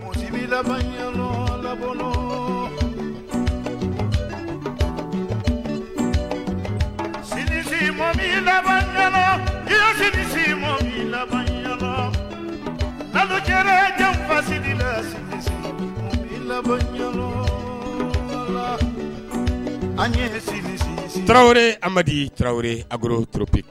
Si laban ɲɛna la sisi mɔ i laban ɲa isi mɔ laban ɲɛna ajɛ jamufa siri la i laban ɲɛna an yesi taraweleɔri amadu taraweleɔri akorourp